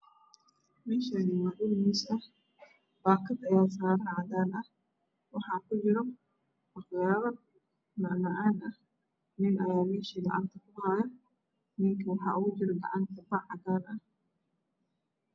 Meeshani waa dhul miisa ah baakad ayaa saran cadan ah waxaa kujiro waxyaabo macmacaan ah nin ahaa meesha gacanta ku haayo ninka waxaa ugu jiro gacanta bac cadaan ah